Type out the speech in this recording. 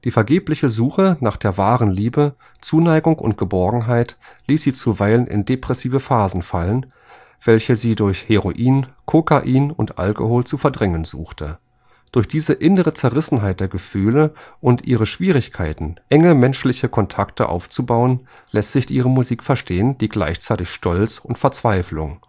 vergebliche Suche nach der wahren Liebe, Zuneigung und Geborgenheit ließ sie zuweilen in depressive Phasen fallen, welche sie durch Heroin, Kokain und Alkohol zu verdrängen suchte. Durch diese innere Zerrissenheit der Gefühle und ihre Schwierigkeiten, enge menschliche Kontakte aufzubauen, lässt sich ihre Musik verstehen, die gleichzeitig Stolz und Verzweiflung